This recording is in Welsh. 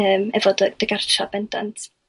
yym efo dy gartra' bendant.